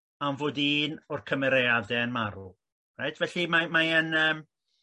am fod un o'r cymereriade yn marw reit felly mae mae e'n yym